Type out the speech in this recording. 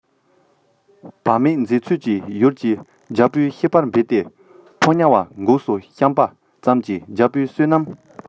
བག མེད མཛད ཚུལ གྱིས ཡུལ གྱི རྒྱལ པོ ཤེས པ འབར ཏེ ཕོ ཉ བ འགུགས སུ བཤམས པ ཙམ གྱིས རྒྱལ པོའི བསོད ནམས དང